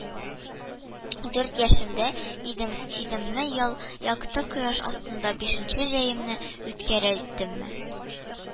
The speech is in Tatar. Дүрт яшемдә идемме, әллә якты кояш астында бишенче җәемне үткәрә идемме,